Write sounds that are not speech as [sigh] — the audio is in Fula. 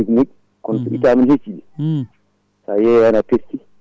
* kono so itta ne hecciɗi [smacks lips] sa yeeyani a perti